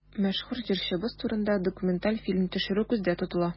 Мәшһүр җырчыбыз турында документаль фильм төшерү күздә тотыла.